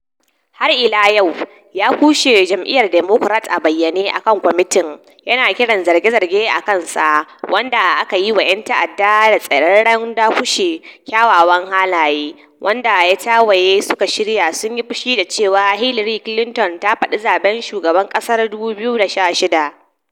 Har ila yau, ya kushe jam'iyyar Democrat a bayyane akan kwamitin, yana kiran zarge-zarge a kansa "wanda aka yi wa' yan ta'adda, da tsararren dakushe kyawawan halaye", wanda' yan tawayen suka shirya, sun yi fushi da cewa, Hillary Clinton ta fadi zaben shugaban kasar 2016.